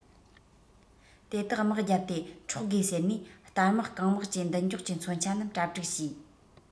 དེ དག དམག བརྒྱབ སྟེ འཕྲོག དགོས ཟེར ནས རྟ དམག རྐང དམག གྱི མདུན སྒྱོགས ཀྱི མཚོན ཆ རྣམས གྲ སྒྲིག བྱས